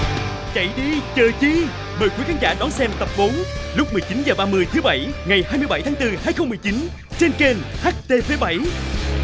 chạy đi chờ chi mời quý khán giả đón xem tập bốn lúc mười chín giờ ba mươi thứ bảy ngày hai mươi bảy tháng tư hai không mười chín trên kênh hắt tê vê bảy